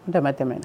N dɛmɛ tɛmɛɛna